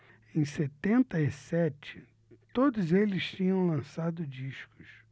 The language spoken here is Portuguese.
em setenta e sete todos eles tinham lançado discos